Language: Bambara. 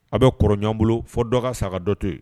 A bɛ kɔrɔ ɲɔgɔn bolo fɔ dɔ ka sa ka dɔ to ye.